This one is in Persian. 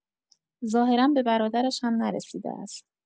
ظاهرا به برادرش هم نرسیده است.